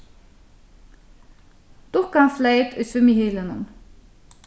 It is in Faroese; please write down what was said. dukkan fleyt í svimjihylinum